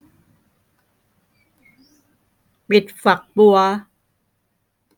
ปิดฝักบัว